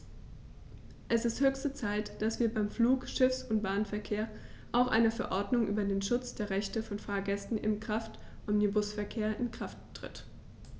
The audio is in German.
Es ist höchste Zeit, dass wie beim Flug-, Schiffs- und Bahnverkehr auch eine Verordnung über den Schutz der Rechte von Fahrgästen im Kraftomnibusverkehr in Kraft tritt.